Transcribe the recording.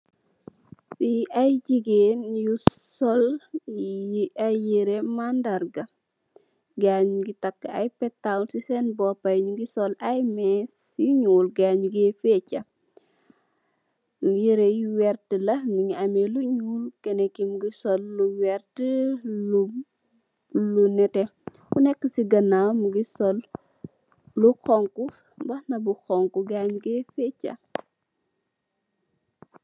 Fi ay jigeen ñu ngi sol yirèh mandarga, ngayi ñu ngi takka ay pettaw ci sèèn bopayi ñi ngi sol ay més yu ñuul, ngayi ñu ngee fecca. Yirèh yu werta la mugii ameh lu ñuul, kenen ki mugii sol lu werta, lu netteh. Ku nekka ci ganaw mugii sol lu xonxu, mbàxna bu xonxu ngayi ñu ngee fecca.